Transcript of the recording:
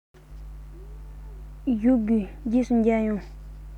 བཞུགས དགོས རྗེས སུ མཇལ ཡོང